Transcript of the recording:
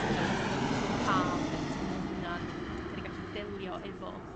'dan ni'n teimlo'n hollol calm 'dan ni'n teimlo'n hunain a 'dan ni gallu delio efo